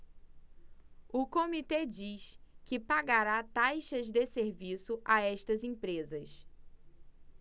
o comitê diz que pagará taxas de serviço a estas empresas